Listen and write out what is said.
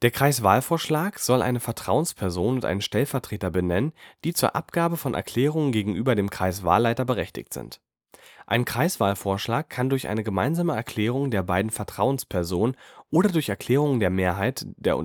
Kreiswahlvorschlag soll eine Vertrauensperson und einen Stellvertreter benennen, die zur Abgabe von Erklärungen gegenüber dem Kreiswahlleiter berechtigt sind. Ein Kreiswahlvorschlag kann durch gemeinsame Erklärung der beiden Vertrauenspersonen oder durch Erklärung der Mehrheit der